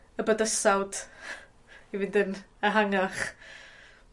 Y bydysawd i fynd yn ehangach.